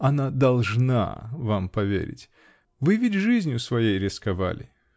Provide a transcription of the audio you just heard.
Она должна вам поверить -- вы ведь жизнью своей рисковали!